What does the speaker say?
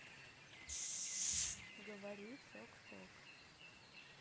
говори сок сок